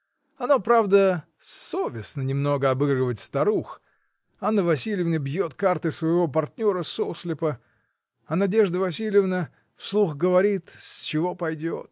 Оно, правда, совестно немного обыгрывать старух: Анна Васильевна бьет карты своего партнера сослепа, а Надежда Васильевна вслух говорит, с чего пойдет.